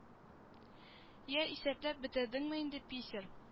Йә исәпләп бетердеңме инде писер